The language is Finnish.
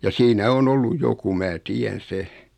ja siinä on ollut joku minä tiedän sen